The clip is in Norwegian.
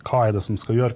hva er det som skal gjøre?